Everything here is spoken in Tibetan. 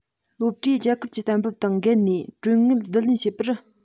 སློབ གྲྭས རྒྱལ ཁབ ཀྱི གཏན འབེབས དང འགལ ནས གྲོན དངུལ བསྡུ ལེན བྱས པར